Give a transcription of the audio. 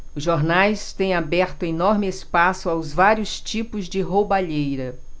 os jornais têm aberto enorme espaço aos vários tipos de roubalheira